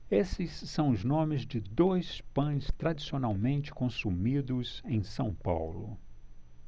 esses são os nomes de dois pães tradicionalmente consumidos em são paulo